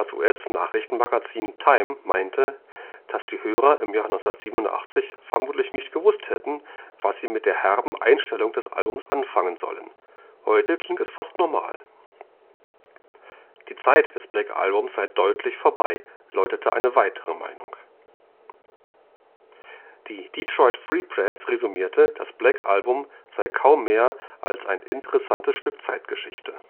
US-Nachrichtenmagazin Time meinte, dass die Hörer im Jahr 1987 „[…] vermutlich nicht gewusst hätten, was sie mit der herben Einstellung des Albums anfangen sollen, heute klingt es fast normal “. Die Zeit des Black Album sei deutlich vorbei, lautete eine weitere Meinung. Die Detroit Free Press resümierte, das Black Album sei „ kaum mehr als ein interessantes Stück Zeitgeschichte